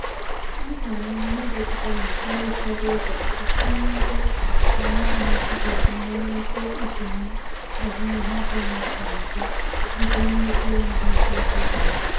Ọ gara n'ihu na-edepụta ma kọwaa ụfọdụ ụzọ akwụm ụgwọ n'ịntanetị ga-esi nye mepee nsonye azụmahịa ịntanetị n'uju bido n'obere Mba Afrịka ọbụla.